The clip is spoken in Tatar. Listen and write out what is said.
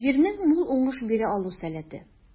Җирнең мул уңыш бирә алу сәләте.